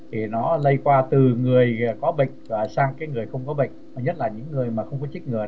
thì nó lây qua từ người có bệnh sang cái người không có bệnh nhất là những người mà không có chích ngừa